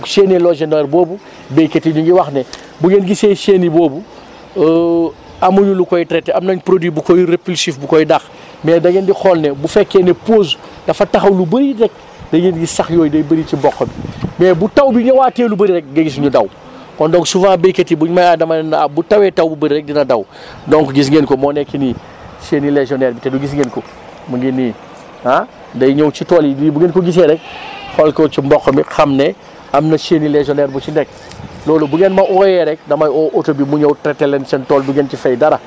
donc chenille légionnaire boobu béykat yi ñu ngi wax ne bu ngeen gisee chenille boobu amuñu lu koy traité am nañ produit bu koy répulsif bu koy dàq mais da ngeen di xool ne bu fekkee ne ppause dafa taxaw lu bëri nag da ngeen gis sax yooyu day bëri ci mboq mi mais bu taw bi ñëwaatee lu bëri rek nga gis ñu daw kon donc souvent béykat yi bu ñu ma ah dama leen ne ah bu tawee taw bu bëri rek dina daw donc gis ngeen ko moo nekk nii chenille légionnaire bi te du gis ngeen ko mu ngi ni ah day ñëw ci tool yi bu ngeen ko gisee rek xool ko ci mboq mi xam ne am na chenille légionnaire bu ci nekk loolu bu ngeen ma wooyee rek damay oo oto bi mu ñëw traité leen seen tool du ngeen ci fay dara